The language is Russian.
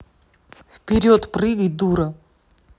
вперед прыгай дура